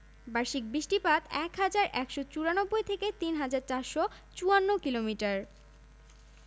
এবং নওগাঁ জেলাশহর থেকে ১৮ কিলোমিটার উত্তরে বদলগাছি থানার বিলাসবাড়ি ইউনিয়নে তুলসীগঙ্গা এবং যমুনা নদীর মাঝখানে অবস্থিত সীতাকোট বিহার